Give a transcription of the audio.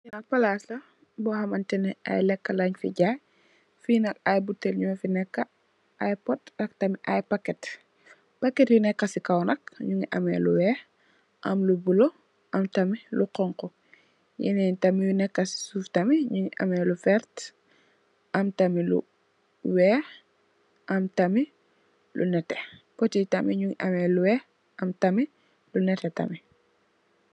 ap palas la bo hamne ay leka lanufijay finak ay butal nofineka ay pot ak ay paket paket yu neke ci kawnak mugi ame lu wex am lu bula am lu xonxu yenen yu neka ci soufe tamit njougi ame lu weert am tamit wex am atamit lu nete potyi tamit mugi am lu wex am tamit lu nete